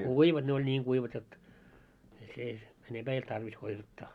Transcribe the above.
kuivat ne oli niin kuivat jotta ei se enempää ei ollut tarvis kuivattaa